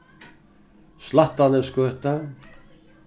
slættanesgøta